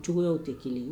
Cogoyaw tɛ kelen